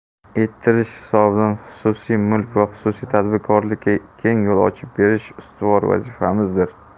ettirish hisobidan xususiy mulk va xususiy tadbirkorlikka keng yo'l ochib berish ustuvor vazifamizdir